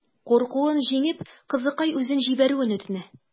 Куркуын җиңеп, кызыкай үзен җибәрүен үтенә.